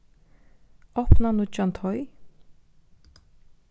opna nýggjan teig